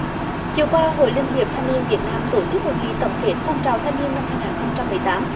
chiều qua hội liên hiệp thanh niên việt nam tổ chức hội nghị tổng kết phong trào thanh niên năm hai ngàn không trăm mười tám